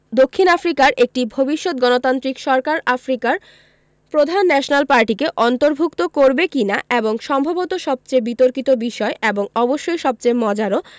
দক্ষিণ আফ্রিকার একটি ভবিষ্যৎ গণতান্ত্রিক সরকার আফ্রিকার প্রধান ন্যাশনাল পার্টিকে অন্তর্ভুক্ত করবে কি না এবং সম্ভবত সবচেয়ে বিতর্কিত বিষয় এবং অবশ্যই সবচেয়ে মজারও